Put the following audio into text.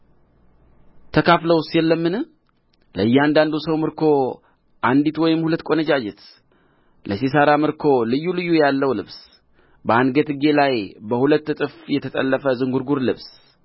ተካፍለውስ የለምን ለእያንዳንዱ ሰው ምርኮ አንዲት ወይም ሁለት ቈነጃጅት ለሲሣራ ምርኮ ልዩ ልዩ ያለው ልብስ በአንገትጌ ላይ በሁለት እጥፍ የተጠለፈ ዝንጕርጕር ልብስ